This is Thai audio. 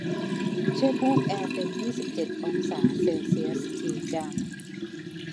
ช่วยเพิ่มแอร์เป็นยี่สิบเจ็ดองศาเซลเซียสทีจ้ะ